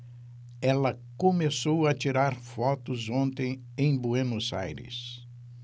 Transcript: ela começou a tirar fotos ontem em buenos aires